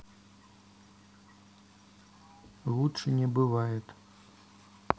лучше не бывает